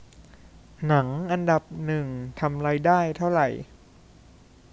หนังอันดับหนึ่งทำรายได้เท่าไหร่